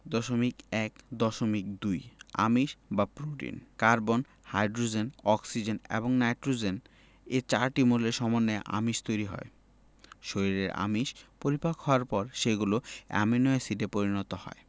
.১.২ আমিষ বা protein carbon hydrogen oxygen এবং নাইট্রোজেন এ চারটি মৌলের সমন্বয়ে আমিষ তৈরি হয় শরীরে আমিষ পরিপাক হওয়ার পর সেগুলো অ্যামাইনো এসিডে পরিণত হয়